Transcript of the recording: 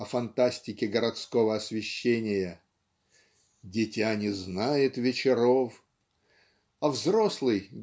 о фантастике городского освещения. "Дитя не знает вечеров" а взрослый